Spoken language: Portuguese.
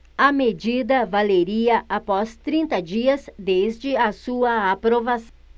a medida valeria após trinta dias desde a sua aprovação